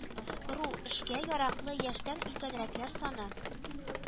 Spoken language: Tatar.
Ру Эшкә яраклы яшьтән өлкәнрәкләр саны